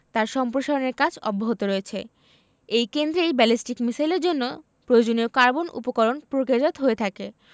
তার সম্প্রসারণের কাজ অব্যাহত রয়েছে এই কেন্দ্রেই ব্যালিস্টিক মিসাইলের জন্য প্রয়োজনীয় কার্বন উপকরণ প্রক্রিয়াজাত হয়ে থাকে